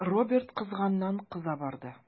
Роберт кызганнан-кыза барды.